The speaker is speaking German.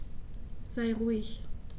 Sei ruhig.